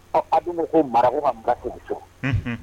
Ɔdu ko mara ma bila cogo c